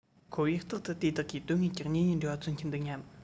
ཁོ བོས རྟག ཏུ དེ དག གིས དོན དངོས ཀྱི གཉེན ཉེའི འབྲེལ བ མཚོན གྱི འདུག སྙམ